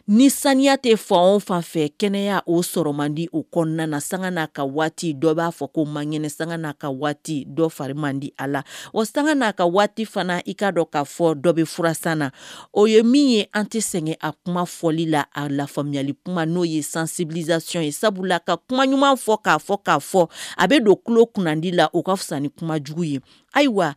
Ni saniya tɛ fa anw fanfɛ kɛnɛya y' o sɔrɔ man di o kɔnɔna san n'a ka waati dɔ b'a fɔ ko maɲ san n'a ka waati dɔ fari man di a la o san n'a ka waati fana i k kaa dɔn k kaa fɔ dɔ bɛ furasa na o ye min ye an tɛ sɛgɛn a kuma fɔli la a la faamuyamiyali kuma n'o ye sansisacyon ye sabu ka kuma ɲuman fɔ k'a fɔ k'a fɔ a bɛ don tulo kunnadi la o ka fisa ni kuma jugu ye ayiwa